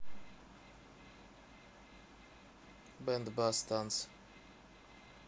band bass танцы